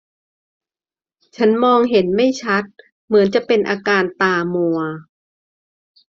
ฉันมองเห็นไม่ชัดเหมือนจะเป็นอาการตามัว